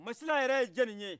masila yɛrɛ ye jɔnni ye